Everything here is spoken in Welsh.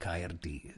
Caerdydd.